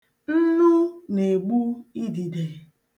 Nnu na-egbu idide.